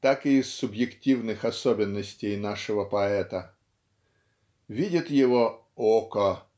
так и из субъективных особенностей нашего поэта. Видит его "око.